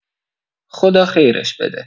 خدا خیرش بده